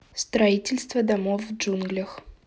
строительство домов в джунглях